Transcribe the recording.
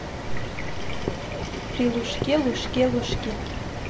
при лужке лужке лужке